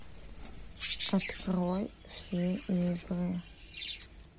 открой все игры